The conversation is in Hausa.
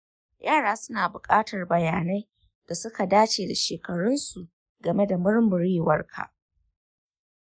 yara suna buƙatar bayanai da suka dace da shekarunsu game da murmurewarka.